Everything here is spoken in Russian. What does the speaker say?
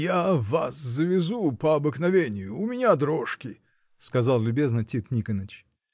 — Я вас завезу — по обыкновению: у меня дрожки, — сказал любезно Тит Никоныч.